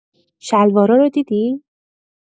شلوارا رو دیدی؟